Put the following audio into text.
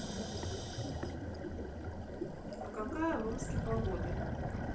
а какая в омске погода